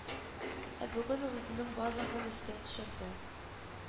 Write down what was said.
Ә бүген ул үзенең барлыгын искә төшерде